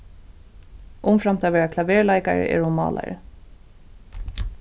umframt at vera klaverleikari er hon málari